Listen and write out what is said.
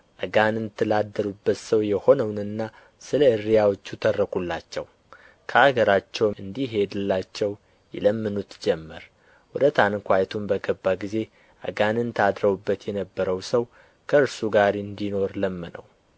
አጋንንት ላደሩበት ሰው የሆነውንና ስለ እሪያዎቹ ተረኩላቸው ከአገራቸውም እንዲሄድላቸው ይለምኑት ጀመር ወደ ታንኳይቱም በገባ ጊዜ አጋንንት አድረውበት የነበረው ሰው ከእርሱ ጋር እንዲኖር ለመነው